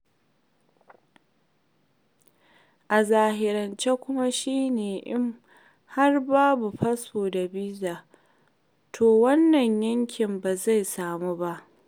A zahirance kuwa shi ne in har babu fasfo da biza, to wannan 'yancin ba zai samu ba.